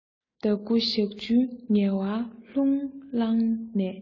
ཟླ དགུ ཞག བཅུའི ངལ བ ལྷུར བླངས ནས